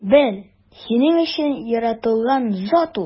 Бел: синең өчен яратылган зат ул!